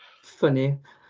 M-hm. Funny.